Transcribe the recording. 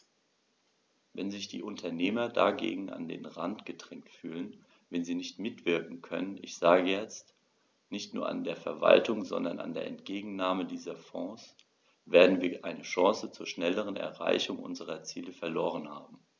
Wenn sich die Unternehmer dagegen an den Rand gedrängt fühlen, wenn sie nicht mitwirken können ich sage jetzt, nicht nur an der Verwaltung, sondern an der Entgegennahme dieser Fonds , werden wir eine Chance zur schnelleren Erreichung unserer Ziele verloren haben.